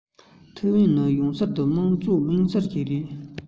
ཐའེ ཝན ནི ཡང གསར དུ དམངས གཙོའི དམིགས བསལ བ ཞིག རེད